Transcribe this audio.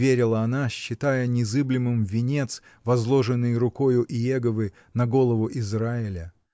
Не верила она, считая незыблемым венец, возложенный рукою Иеговы на голову Израиля.